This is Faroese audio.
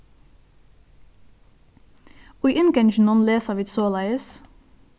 í innganginum lesa vit soleiðis